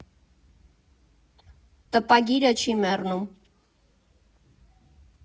Տպագիրը չի մեռնում.